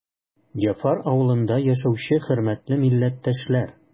Яфар авылында яшәүче хөрмәтле милләттәшләр!